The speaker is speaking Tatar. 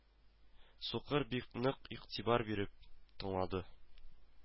Сукыр бик нык игътибар биреп тыңлады